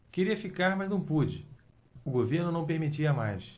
queria ficar mas não pude o governo não permitia mais